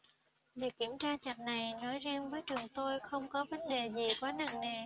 việc kiểm tra chặt này nói riêng với trường tôi không có vấn đề gì quá nặng nề